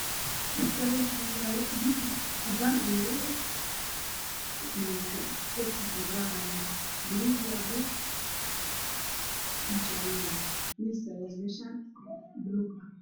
Halkaan waxaa yalo kumbitar cadan iyo madoow ah tebkiisa la garacayo baluug iyo cadees iyo jale waye misaa yala meshan baluug ah